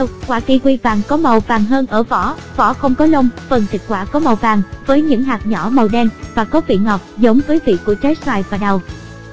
quả kiwi vàng có màu vàng hơn ở vỏ vỏ không có lông phần thịt quả có màu vàng với những hạt nhỏ màu đen và có vị ngọt giống với vị của trái xoài và đào